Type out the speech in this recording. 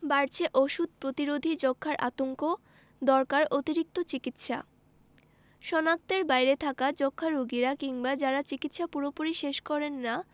বাড়ছে ওষুধ প্রতিরোধী যক্ষ্মার আতঙ্ক দরকার অতিরিক্ত চিকিৎসা শনাক্তের বাইরে থাকা যক্ষ্মা রোগীরা কিংবা যারা চিকিৎসা পুরোপুরি শেষ করেন না